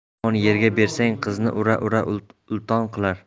yomon yerga bersang qizni ura ura ulton qilar